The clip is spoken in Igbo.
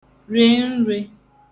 rè nre